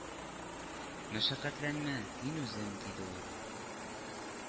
—мәшәкатьләнмә, мин үзем,—диде ул